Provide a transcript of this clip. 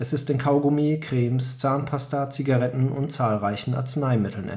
ist in Kaugummi, Cremes, Zahnpasta, Zigaretten und zahlreichen Arzneimitteln